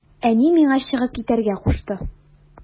Әни миңа чыгып китәргә кушты.